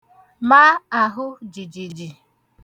ma àhụ jìjìjì